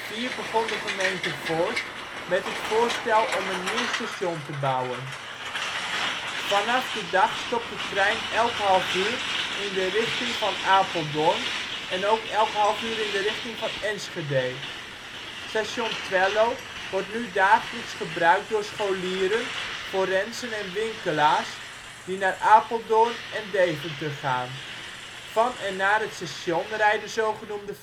2004 begon de gemeente Voorst met het voorstel om een nieuw station te bouwen. Vandaag de dag stopt de trein elk half uur in de richting van Apeldoorn en ook elk half uur in de richting van Enschede. Station Twello wordt nu dagelijks gebruikt door scholieren, forensen en winkelaars die naar Apeldoorn en Deventer gaan. Van en naar het station rijden zogenoemde